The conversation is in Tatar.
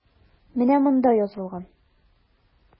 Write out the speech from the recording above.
Менә монда язылган.